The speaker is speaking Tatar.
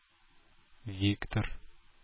Виктор